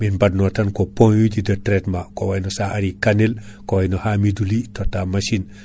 min badno tan ko point ji de traitement ko wayno sa ari Kanel ko wayno Hamidou Ly tota machine